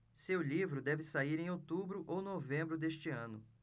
seu livro deve sair em outubro ou novembro deste ano